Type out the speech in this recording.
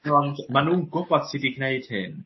ond ma' nw'n gwbod sud i gneud hyn.